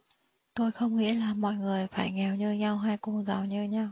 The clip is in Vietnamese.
tôi không nghĩ là mọi người phải nghèo như nhau hay cùng giàu như nhau